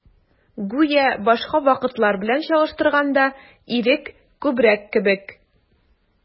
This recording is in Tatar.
Гүя башка вакытлар белән чагыштырганда, ирек күбрәк кебек.